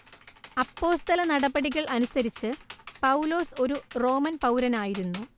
അപ്പോസ്തലനടപടികൾ അനുസരിച്ച് പൗലോസ് ഒരു റോമൻ പൗരനായിരുന്നു